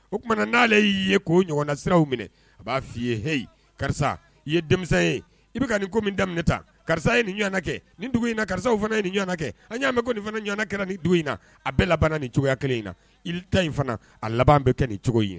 O tumana na n'ale y'i ye k' o ɲɔgɔnna siraw minɛ a b'a f' ii ye heyi karisa i ye dɛ ye i bɛ ka nin ko min daminɛ ta karisa ye nin ɲɔgɔn kɛ nin dugu in karisaw fana ye nin ɲɔgɔn kɛ an y'a mɛn nin fana ɲɔgɔn kɛ nin don in na a bɛɛ la ni cogoyaya kelen in na i da in fana a laban bɛ kɛ nin cogo ɲini